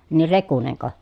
niin Rekunenko